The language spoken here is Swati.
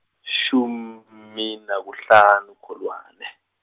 shum- -mi, nakuhlanu Kholwane.